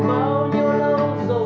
thôi